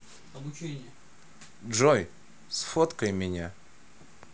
джой сфоткай меня